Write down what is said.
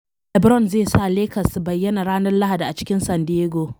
LeBron zai sa Lakers su bayyana ranar Lahdi a cikin San Diego